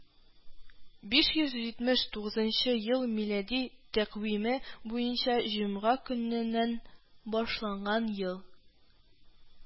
Биш йөз җитмеш тугызынчы ел милади тәкъвиме буенча җомга көненнән башланган ел